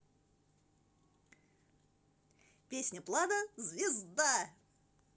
песня пладо звезда